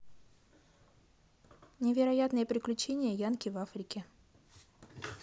невероятные приключения янки в африке